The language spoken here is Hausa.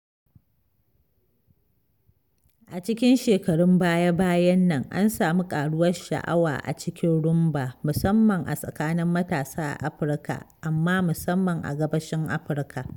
A cikin shekarun baya-bayan nan, an sami karuwar sha'awa a cikin Rhumba, musamman a tsakanin matasa a Afirka, amma musamman a Gabashin Afirka.